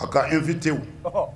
A ka anfi tewu